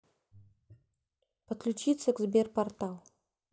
подключиться к sberportal